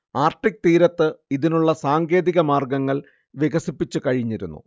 Arctic തീരത്ത് ഇതിനുള്ള സാങ്കേതിക മാർഗങ്ങൾ വികസിപ്പിച്ചു കഴിഞ്ഞിരിക്കുന്നു